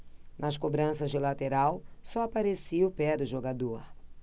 nas cobranças de lateral só aparecia o pé do jogador